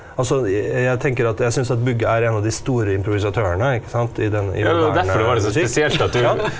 altså jeg tenker at jeg syns at Bugge er en av de store improvisatorene ikke sant i den i moderne musikk.